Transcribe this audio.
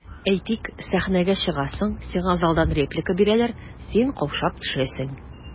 Әйтик, сәхнәгә чыгасың, сиңа залдан реплика бирәләр, син каушап төшәсең.